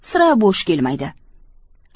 sira bo'sh kelmaydi